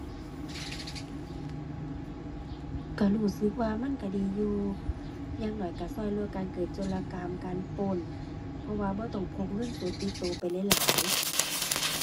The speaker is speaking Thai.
ก็รู้สึกว่ามันก็ดีอยู่ อย่างน้อยก็ก็ลดการเกิดโจรกรรมการปล้น เพราะว่าบ่ต้องพกเงินสดติดก็ไปหลายหลาย